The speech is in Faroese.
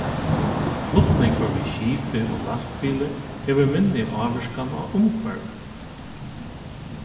flutningur við skipi og lastbili hevur minni ávirkan á umhvørvið